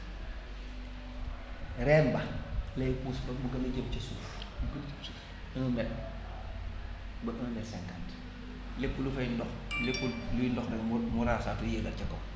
reen ba lay pousse ba mu gën a jëm ca suuf mu jëm ci suuf un mètre ba un mètre cinquante lépp lu fay ndox lépp luy ndox nag mu mu raasaatu yéegal ca kaw